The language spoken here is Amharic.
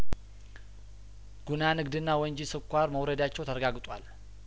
ጉና ንግድና ወንጂ ስኳር መውረዳቸው ተረጋግጧል